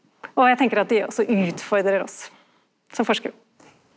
og eg tenker at dei også utfordrar oss som forskarar.